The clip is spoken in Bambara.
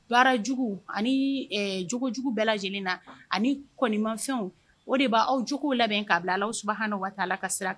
Baara jugu ani jogojuguw bɛɛ lajɛlen na ani kɔnmafɛnw o de b'aw jogow labɛn ka kabila bila Ala subahana watala ka sira kan.